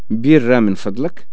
بيرة من فضلك